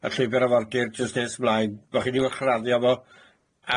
y llwybyr afordir jyst nes 'mlaen bo' chi'n 'i uwchraddio fo